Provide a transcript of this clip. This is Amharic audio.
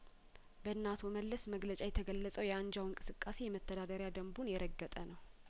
በእነ አቶ መለስ መግለጫ የተገለጸው የአንጃው እንቅስቃሴ የመተዳደሪያ ደንቡን የረገጠ ነው